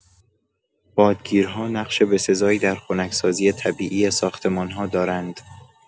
بادگیرها نقش بسزایی در خنک‌سازی طبیعی ساختمان‌ها دارند.